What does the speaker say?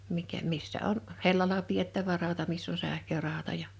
mikä missä on hellalla pidettävä rauta missä on sähkörauta ja